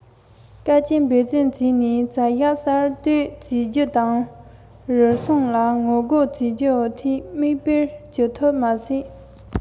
ཟིང ཆ གང ཞིག བྱུང ཡང བཀག ཐུབ ཀྱི རེད